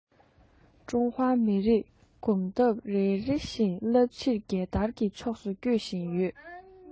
ཀྲུང ཧྭ མི རིགས གོམ སྟབས རེ རེ བཞིན རླབས ཆེན བསྐྱར དར གྱི ཕྱོགས སུ སྐྱོད བཞིན ཡོད